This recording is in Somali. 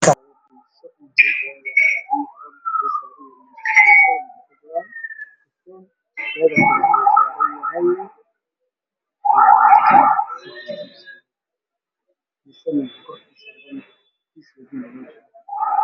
Meeshaan waa maqaayad waxaa yaalo miis cad oo dusha ka saaranyihiin labo xabo oo biiso ah iyo xabad hanbeegar ah